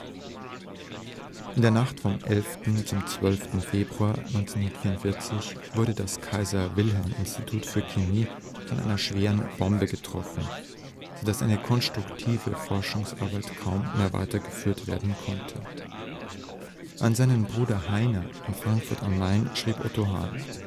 In der Nacht vom 11. zum 12. Februar 1944 wurde das Kaiser-Wilhelm-Institut für Chemie von einer schweren Bombe getroffen, sodass eine konstruktive Forschungsarbeit kaum mehr weitergeführt werden konnte. An seinen Bruder Heiner in Frankfurt am Main schrieb Otto Hahn